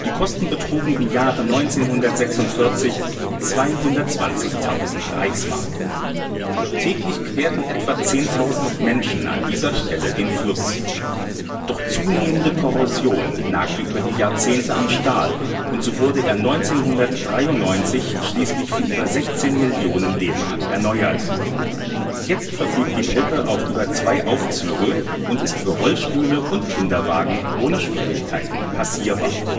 Kosten betrugen im Jahre 1946 220.000 Reichsmark. Täglich querten etwa 10.000 Menschen an dieser Stelle den Fluss. Doch zunehmende Korrosion nagte über die Jahrzehnte am Stahl, und so wurde er 1993 schließlich für über 16 Millionen DM erneuert. Jetzt verfügt die Brücke auch über zwei Aufzüge und ist für Rollstühle und Kinderwagen ohne Schwierigkeiten passierbar